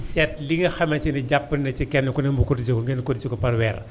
seet li nga xamante ni jàpp na ci kenn ku ne mu cotisé ko ngeen cotisé ko par weer